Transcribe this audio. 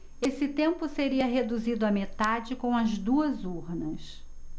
esse tempo seria reduzido à metade com as duas urnas